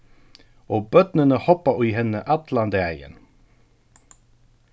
og børnini hoppa í henni allan dagin